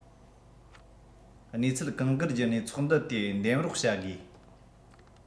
གནས ཚུལ གང དགར བསྒྱུར ནས ཚོགས འདུ དེས འདེམས རོགས རམ བྱ དགོས